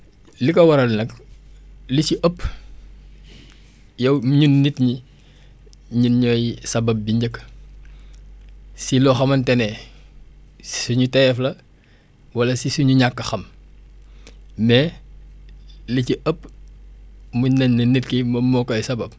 li ko waral nag li si ëppyow ñun nit ñi ñun ñooy sabab bi njëkk si loo xamante ne suñu tayeef la wala si suñu ñàkk a xam mais li ci ëpp mun nañ ne nit ki moom moo koy sabab